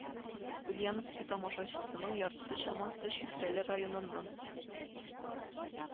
Ульяновски тамашачысының яртысы чамасы Чүпрәле районыннан